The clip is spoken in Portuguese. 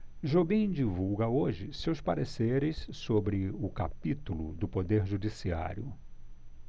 jobim divulga hoje seus pareceres sobre o capítulo do poder judiciário